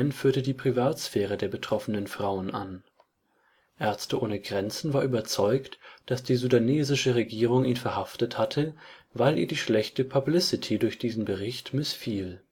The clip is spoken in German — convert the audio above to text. führte die Privatsphäre der betroffenen Frauen an. Ärzte ohne Grenzen war überzeugt, dass die sudanesische Regierung ihn verhaftet hatte, weil ihr die schlechte Publicity durch diesen Bericht missfiel